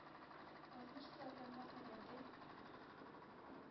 Алтмыш килограммга кадәрге